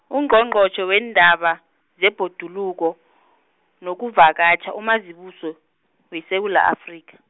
Ungqongqotjhe wendaba, zebhoduluko, nokuvakatjha uMazibuse, weSewula Afrika.